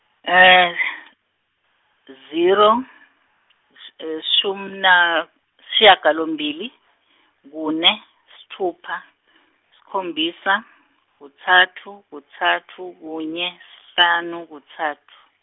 zero, s- shuminashagalombili, kune, sitfupha, sikhombisa, kutsatfu, kutsatfu, kunye, sihlanu, kutsatfu.